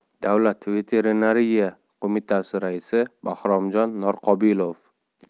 davlat veterinariya qo'mitasi raisi bahromjon norqobilov